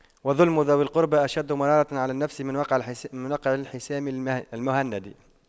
وَظُلْمُ ذوي القربى أشد مرارة على النفس من وقع الحسام المهند